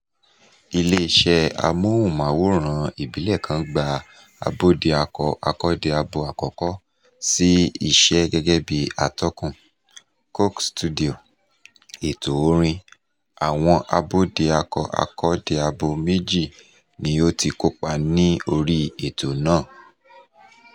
Ilé iṣẹ́ amóhùnmáwòrán ìbílẹ̀ kan gba Abódiakọ-akọ́diabo àkọ́kọ́ sí iṣẹ́ gẹ́gẹ́ bí atọ́kùn; Coke Studio, ètò orin, àwọn Abódiakọ-akọ́diabo méjì ni ó ti kópa ní orí ètò náà.